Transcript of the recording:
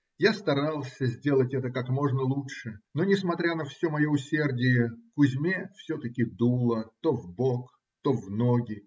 Я старался сделать это как можно лучше, но, несмотря на все мое усердие, Кузьме все-таки дуло то в бок, то в ноги.